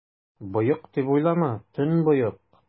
Боек, дип уйлама, төнбоек!